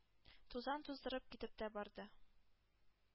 Тузан туздырып китеп тә барды.